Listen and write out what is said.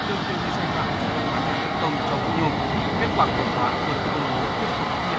tương tự như sai phạm trong việc bán nhà đất công cho vũ nhôm kết quả kiểm toán vừa được công bố tiếp tục phát hiện